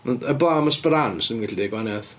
Heblaw am y sporran 'swn i'm yn gallu deud y gwahaniaeth.